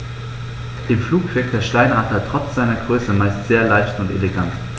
Im Flug wirkt der Steinadler trotz seiner Größe meist sehr leicht und elegant.